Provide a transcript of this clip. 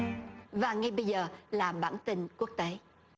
và ngay bây giờ là bản tin quốc tế